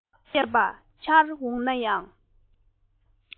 ཙི ཙི བཅས པ འཆར འོང ན ཡང